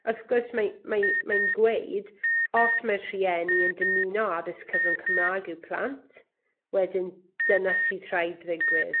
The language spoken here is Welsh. Wrth gwrs mae mae mae'n gweud os mae'r rhieni yn dymuno addysg cyfrwng Cymra'g i'w plant, wedyn dyna sydd rhaid ddigwydd.